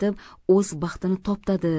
o'z baxtini toptadi